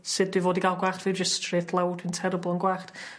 sud dwi fod i ga'l gwallt fi jyst straight lawr dwi'n terrible 'yn gwacht.